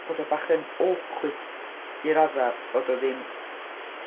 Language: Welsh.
Bod o bach yn awkward i raddau bod o ddim...